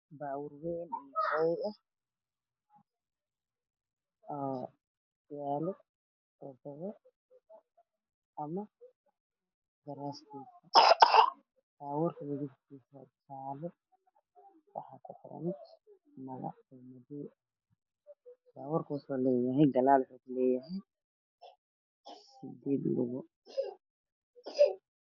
Waxaa ii muuqda baabuur waddada maraya oo saaran ku tenderro baabuurka midabkiisu waa jaallo lagu hiisana waa madow